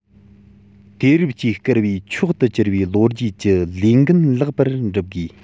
དུས རབས ཀྱིས བསྐུར བའི མཆོག ཏུ གྱུར པའི ལོ རྒྱུས ཀྱི ལས འགན ལེགས པར བསྒྲུབ དགོས